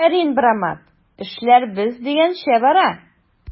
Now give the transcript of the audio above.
Афәрин, брамат, эшләр без дигәнчә бара!